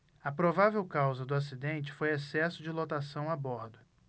a provável causa do acidente foi excesso de lotação a bordo